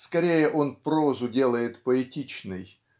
скорее он прозу делает поэтичной